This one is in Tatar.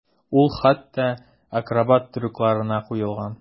Ул хәтта акробат трюкларына куелган.